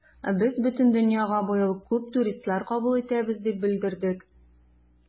Без бөтен дөньяга быел күп туристлар кабул итәбез дип белдердек.